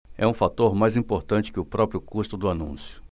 é um fator mais importante que o próprio custo do anúncio